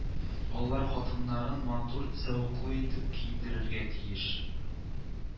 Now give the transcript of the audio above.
Алар хатыннарын матур, зәвыклы итеп киендерергә тиеш